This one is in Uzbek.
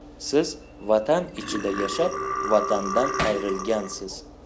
siz vatan ichida yashab vatandan ayrilgansiz